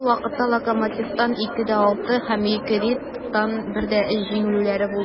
Шул ук вакытта "Локомотив"тан (2:6) һәм "Йокерит"тан (1:3) җиңелүләр булды.